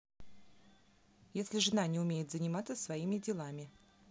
если жена не умеет заниматься своими делами